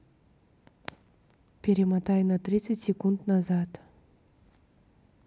перемотай на тридцать секунд назад